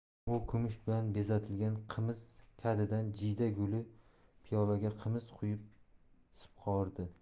u kumush bilan bezatilgan qimiz kadidan jiyda gulli piyolaga qimiz quyib sipqordi